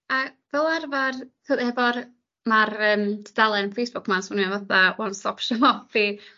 A fel arfar hy- hefo'r ma'r yym tudalen Facebook 'ma'n swnio fatha one stop shop i